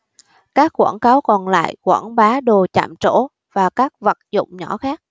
các quảng cáo còn lại quảng bá đồ chạm trổ và các vật dụng nhỏ khác